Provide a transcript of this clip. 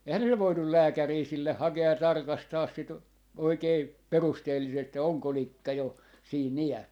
eihän ne nyt voinut lääkäriä sille hakea ja tarkastaa sitä oikein perusteellisesti ja onko likka jo siinä iässä